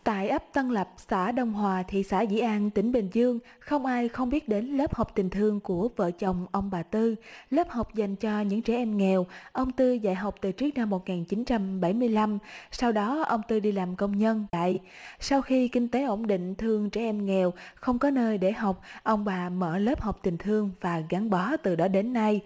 tại ấp tân lập xã đông hòa thị xã dĩ an tỉnh bình dương không ai không biết đến lớp học tình thương của vợ chồng ông bà tư lớp học dành cho những trẻ em nghèo ông tư dạy học từ trước năm một ngàn chín trăm bảy mươi lăm sau đó ông tư đi làm công nhân tại sau khi kinh tế ổn định thương trẻ em nghèo không có nơi để học ông bà mở lớp học tình thương và gắn bó từ đó đến nay